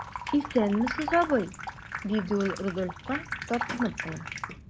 Исәнмесез, абый,– диде ул Рудольфка, тартынып кына.